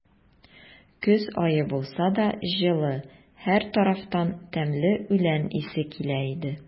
Көз ае булса да, җылы; һәр тарафтан тәмле үлән исе килә иде.